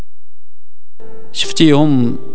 شفتيهم